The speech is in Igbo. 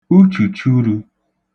uchùchurū